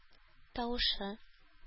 Тавышы